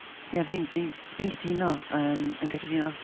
Ie fi'n, fi'n, fi'n cytuno yym, yn gyffredinol.